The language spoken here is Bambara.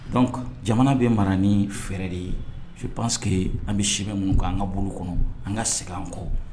Dɔnkuc jamana bɛ mara ni fɛɛrɛ de ye su pananske an bɛ simɛ mun kan an ka bolo kɔnɔ an ka segin an kɔ